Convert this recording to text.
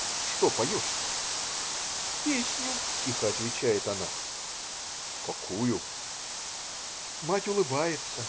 "Что поешь-то?"- "Песню",тихо отвечает она. "Какую?" Мать улыбается.